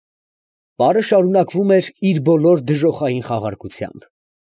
Պարը շարունակվում էր իր բոլոր դժոխային խաղարկությամբ։